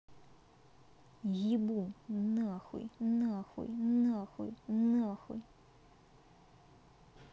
ебу нахуй нахуй нахуй нахуй